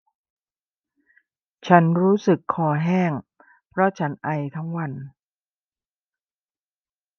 ฉันรู้สึกคอแห้งเพราะฉันไอทั้งวัน